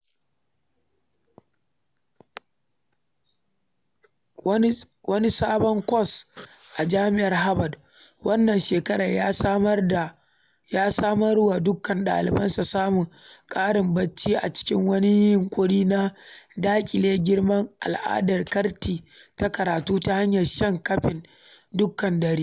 Wani sabon kwas a Jami’ar Harvard wannan shekarar ya samar wa dukkan ɗalibansa samun ƙarin barci a cikin wani yinƙuri na daƙile girman al’adar ƙarti ta karatu ta hanyar shan kafen ‘dukkan dare.’